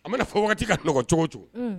A ma fɔ waati ka nɔgɔ cogo cogo